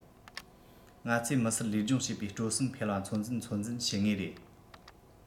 ང ཚོས མི སེར ལུས སྦྱོང བྱེད པའི སྤྲོ སེམས འཕེལ བ ཚོད འཛིན ཚོད འཛིན བྱེད ངེས རེད